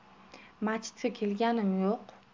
machitga kelganim yo'q